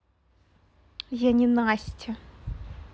я не настя